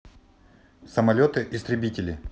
самолеты истребители